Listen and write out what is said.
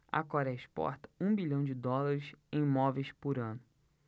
a coréia exporta um bilhão de dólares em móveis por ano